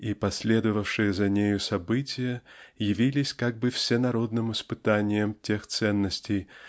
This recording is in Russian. и последовавшие за нею события явились как бы всенародным испытанием тех ценностей